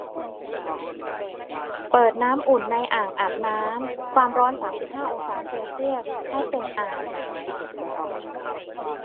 เปิดน้ำอุ่นในอ่างอาบน้ำความร้อนสามสิบห้าองศาเซลเซียสให้เต็มอ่าง